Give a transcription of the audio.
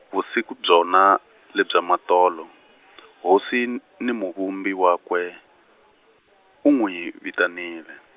vusiku byona, lebya matolo, hosi n-, ni Muvumbi wakwe, u nwi vitanile.